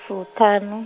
fuṱhanu.